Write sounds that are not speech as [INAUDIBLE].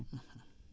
[HESITATION] [HESITATION]